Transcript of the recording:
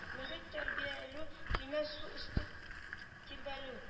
Мохит тирбәлү көймә су өсте тирбәлү